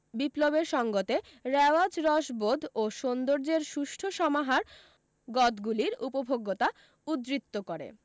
বিপ্লবের সঙ্গতে রেওয়াজ রসবোধ ও সৌন্দর্যের সুষ্ঠু সমাহার গতগুলির উপভোগ্যতা উদ্বৃত্ত করে